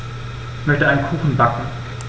Ich möchte einen Kuchen backen.